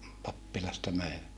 pappilasta möivät